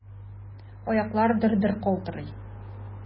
Аяклар дер-дер калтырый.